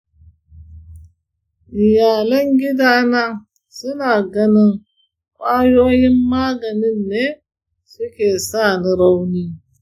iyalan gida na suna ganin ƙwayoyin maganin ne suke sa ni rauni.